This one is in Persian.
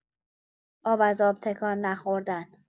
آب از آب تکان نخوردن